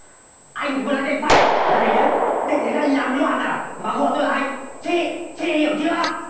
anh cái mà lanh tanh phanh này nhá định đến đây làm loạn ạ mà gọi tôi là anh chị chị hiểu chưa